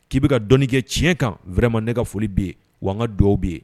K'i bɛ ka dɔnni kɛ tiɲɛ kan vraiment ne ka foli b'i ye wa nka duwaw b'i ye.